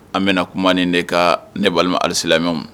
An bɛna na kuma nin de ka ne b'amu alisalaw